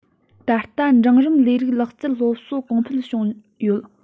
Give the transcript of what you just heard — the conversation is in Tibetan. ད ལྟ འབྲིང རིམ ལས རིགས ལག རྩལ སློབ གསོ གོང འཕེལ བྱུང ཡོད